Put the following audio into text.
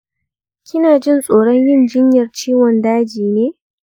kinajin tsoron yin jinyar ciwon daji ne?